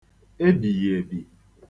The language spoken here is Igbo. ebìghèèbì